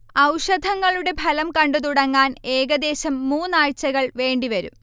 ഔഷധങ്ങളുടെ ഫലം കണ്ടുതുടങ്ങാൻ ഏകദേശം മൂന്നാഴ്ചകൾ വേണ്ടിവരും